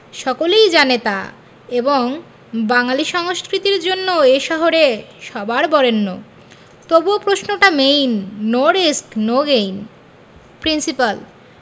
সকলেই জানে তা এবং বাঙালী সংস্কৃতির জন্য এ শহরে সবার বরেণ্য তবুও প্রশ্নটা main no risk no gain principal